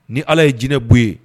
Ni Ala ye jinɛ bɔ i ye